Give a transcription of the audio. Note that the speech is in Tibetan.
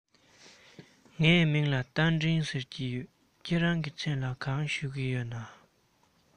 ངའི མིང ལ རྟ མགྲིན ཟེར གྱི ཡོད ཁྱེད རང གི མཚན ལ གང ཞུ གི ཡོད ན